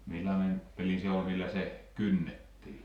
millainen peli se oli millä se kynnettiin